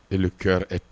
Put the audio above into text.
E kɛra